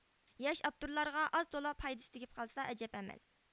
ياش ئاپتورلارغا ئاز تولا پايدىسى تېگىپ قالسا ئەجەب ئەمەس